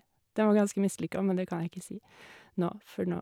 Den var ganske mislykka, men det kan jeg ikke si nå, for nå...